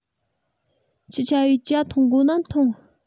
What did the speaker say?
ཁྱོད ཆ བོས འཐུང དགོ ན ཐུངས